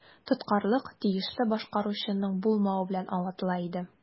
Тоткарлык тиешле башкаручының булмавы белән аңлатыла иде.